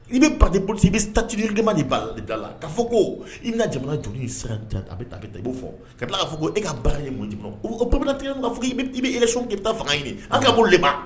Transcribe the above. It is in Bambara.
I bɛ patioli i bɛ ta ti ma ba la da la ka fɔ ko i ka jamana joli saraka bɛ taa taa i b' fɔ ka fɔ ko e ka baara ye mun nci ma' fɔ i' e sɔn k i taa fanga ɲini ka bolo